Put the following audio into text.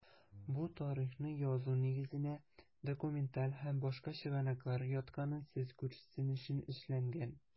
Бу тарихны язу нигезенә документаль һәм башка чыгынаклыр ятканын сез күрсен өчен эшләнгән.